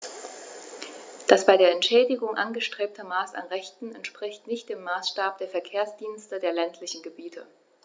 Das bei der Entschädigung angestrebte Maß an Rechten entspricht nicht dem Maßstab der Verkehrsdienste der ländlichen Gebiete.